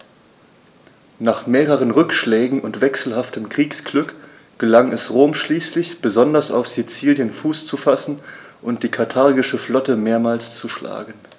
Nach mehreren Rückschlägen und wechselhaftem Kriegsglück gelang es Rom schließlich, besonders auf Sizilien Fuß zu fassen und die karthagische Flotte mehrmals zu schlagen.